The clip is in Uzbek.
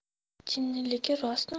jinniligi rostmi